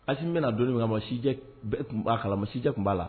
A bɛna don min ma b'a kala masijɛ tun b'a la